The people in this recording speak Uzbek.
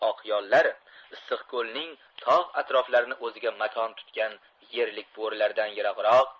oqyollar issiqko'lning tog' atroflarini o'ziga makon tutgan yerlik bo'rilardan yirikroq